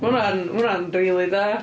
Mae hwnna'n mae hwnna'n rili da.